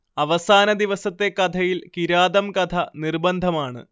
അവസാനദിവസത്തെ കഥയിൽ കിരാതംകഥ നിർബന്ധമാണ്